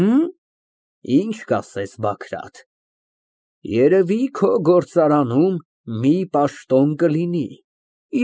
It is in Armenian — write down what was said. Հը՞մ, ի՞նչ կասես Բագրատ, երևի, քո գործարանում մի պաշտոն կլինի։